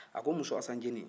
a ko n muso asan ncinin